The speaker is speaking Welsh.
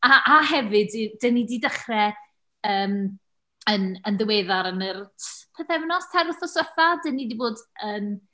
A a hefyd, i- dan ni 'di dechrau yym yn yn ddiweddar yn yr t- pythefynos, tair wythnos ddiwetha, dan ni 'di bod yn...